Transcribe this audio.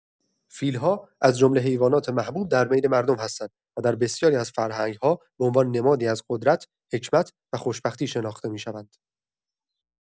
فیل‌ها از جمله حیوانات محبوب در بین مردم هستند و در بسیاری از فرهنگ‌ها به عنوان نمادی از قدرت، حکمت و خوشبختی شناخته می‌شوند.